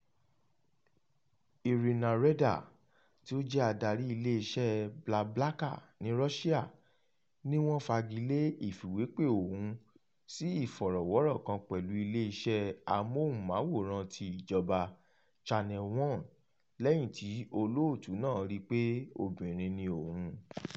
Irina Reyder tí ó jẹ́ adarí iléeṣẹ́ BlaBlaCar ní Russia ní wọ́n fagi lé ìfìwépè òun sí ìfọ̀rọ̀wọ́rọ̀ kan pẹ̀lú iléeṣẹ́ amóhùnmáwòrán-an ti ìjọba, Channel One lẹ́yìn tí olóòtú náà rí i pé obìnrin ni òun.